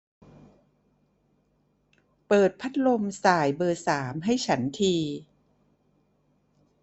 เปิดพัดลมส่ายเบอร์สามให้ฉันที